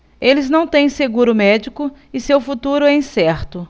eles não têm seguro médico e seu futuro é incerto